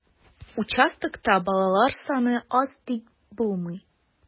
Участокта балалар саны аз дип булмый.